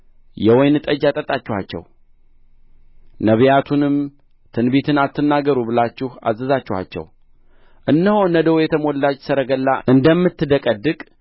የወይን ጠጅ አጠጣችኋቸው ነቢያቱንም ትንቢትን አትናገሩ ብላችሁ አዘዛችኋቸው እነሆ ነዶ የተሞላች ሰረገላ እንደምትደቀድቅ